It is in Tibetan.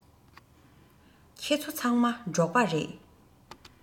ཁྱེད ཚོ ཚང མ འབྲོག པ རེད